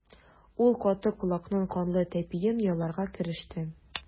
Ул каты колакның канлы тәпиен яларга кереште.